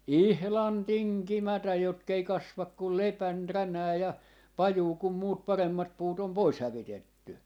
ihan tinkimättä jotka ei kasva kuin lepän ränää ja pajua kun muut paremmat puut on pois hävitetty